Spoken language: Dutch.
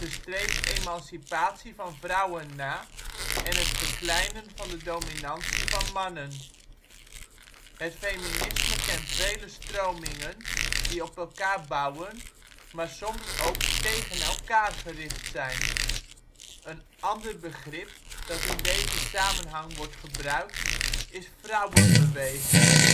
streeft emancipatie van vrouwen na en het verkleinen van de dominantie van mannen. Het feminisme kent vele stromingen die op elkaar bouwen maar soms ook tegen elkaar gericht zijn. Een ander begrip dat in deze samenhang wordt gebruikt is vrouwenbeweging